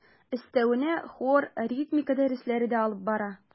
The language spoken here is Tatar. Өстәвенә хор, ритмика дәресләре дә алып бара.